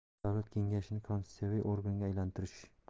davlat kengashini konstitutsiyaviy organga aylantirish